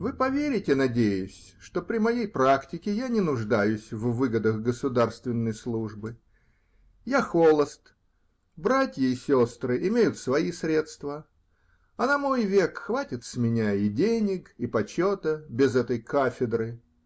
Вы поверите, надеюсь, что при моей практике я не нуждаюсь в выгодах государственной службы: я холост, братья и сестры имеют свои средства, а на мой век хватит с меня и денег, и почета без этой кафедры.